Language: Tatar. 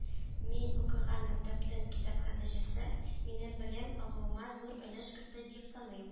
Мин укыган мәктәпнең китапханәчесе минем белем алуыма зур өлеш кертте дип саныйм